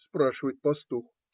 - спрашивает пастух.